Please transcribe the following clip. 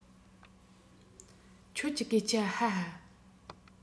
ཁྱོད ཀྱི སྐད ཆ ཧ ཧ